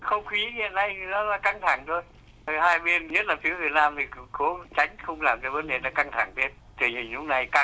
không khí hiện nay nó là căng thẳng rồi hai bên nhất là phía việt nam cố tránh không làm cho vấn đề nó căng thẳng thêm tình hình lúc này căng